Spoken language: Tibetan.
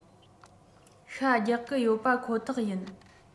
ཤ རྒྱག གི ཡོད པ ཁོ ཐག ཡིན